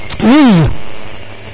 oui